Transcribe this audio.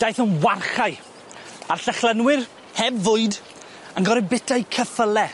Daeth yn warchai a'r Llychlynwyr heb fwyd yn gor'o' bita'u ceffyle.